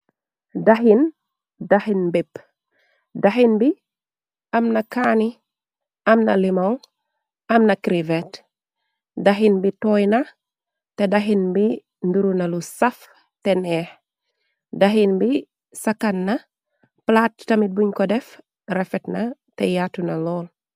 Daxin, daxin mbépp. Daxin bi amna kaani , amna limon , amna krivet , daxin bi tooyna, te daxin bi nduruna lu saf. Te neex daxin bi sa kanna , plaat tamit buñ ko def refetna, te yaatuna lool.